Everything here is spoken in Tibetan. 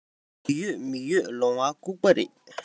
ཡིག ཡོད མིག ཡོད ལོང བ སྐུགས པ རེད